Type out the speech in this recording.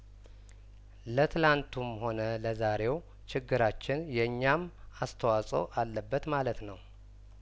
ለትላንቱም ሆነ ለዛሬው ችግራችን የእኛም አስተዋጽኦ አለበት ማለት ነው